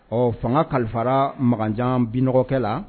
Ɔ fanga kalifara Mankanjan binɔgɔkɛ la